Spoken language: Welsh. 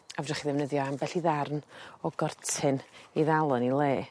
A fedrwch chi ddefnyddio ambell i ddarn o gortyn i ddal o yn 'i le.